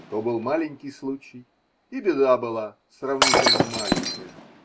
– То был маленький случай, и беда была сравнительно маленькая.